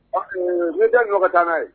Ne tɛ ɲɔgɔn katan n' ye